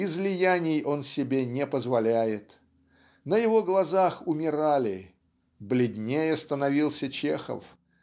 Излияний он себе не позволяет. На его глазах умирали бледнее становился Чехов